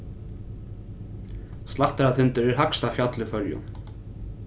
slættaratindur er hægsta fjall í føroyum